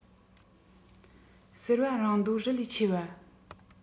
ཟེར བ རང འདོད རི ལས ཆེ བ